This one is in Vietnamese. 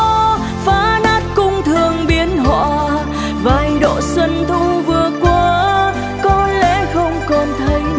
phá nát cương thường biến họa vài độ xuân thu vừa qua có lẽ không còn thấy nàng